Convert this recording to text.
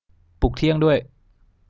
ปลุกเที่ยงด้วย